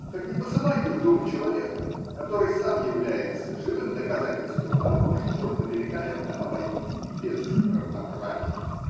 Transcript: Так не посылайте в Думу человека, который сам является живым доказательством того, что можно великолепно обойтись и без равноправия.